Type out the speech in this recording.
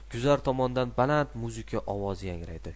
guzar tomondan baland muzika ovozi yangraydi